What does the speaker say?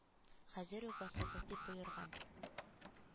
— хәзер үк асыгыз! — дип боерган.